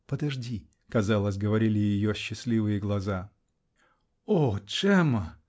"Подожди", -- казалось, говорили ее счастливые глаза. -- О Джемма!